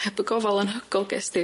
Heb y gofal anhygol ges di.